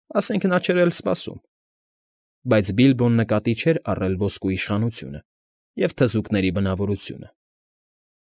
Ասենք նա չէր էլ սպասում)։ Բայց Բիլբոն նկատի չէր առել ոսկու իշխանությունը և թզուկների բնավորությունը։